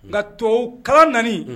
Nka tubabu kalan nalen